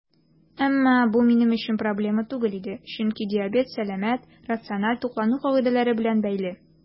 Әмма бу минем өчен проблема түгел иде, чөнки диабет сәламәт, рациональ туклану кагыйдәләре белән бәйле.